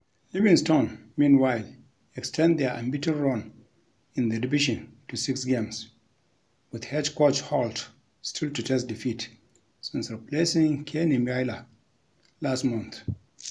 Livingston, meanwhile, extend their unbeaten run in the division to six games, with head coach Holt still to taste defeat since replacing Kenny Miler last month.